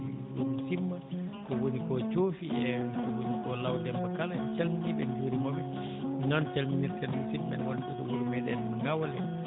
ɗum timma ko woni ko joofi e ko woni ko Law Demba kala en calminii ɓe en njuuriima ɓe noon calminirten musidɓe men wonɓe to wuro meeɗen ŋawle